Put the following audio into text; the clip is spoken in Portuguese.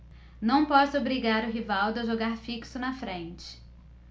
não posso obrigar o rivaldo a jogar fixo na frente